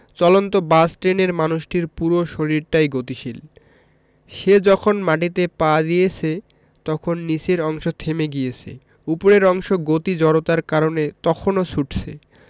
চলন্ত বাস ট্রেনের মানুষটির পুরো শরীরটাই গতিশীল সে যখন মাটিতে পা দিয়েছে তখন নিচের অংশ থেমে গিয়েছে ওপরের অংশ গতি জড়তার কারণে তখনো ছুটছে